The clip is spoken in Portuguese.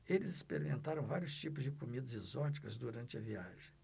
eles experimentaram vários tipos de comidas exóticas durante a viagem